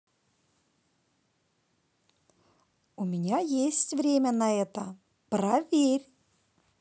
у меня есть время на это проверь